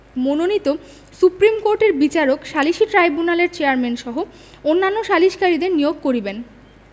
মনোনীত সুপ্রীম কোর্টের বিচারক সালিসী ট্রাইব্যুনালের চেয়ারম্যানসহ অন্যান্য সালিসকারীদের নিয়োগ করিবেন